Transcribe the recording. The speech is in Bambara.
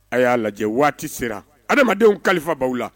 A' y'a lajɛ waati sera hadamadenw kalifa baw la